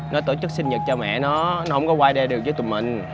nó tổ chức sinh nhật cho mẹ nó nó hông có qua đây được dới tụi mình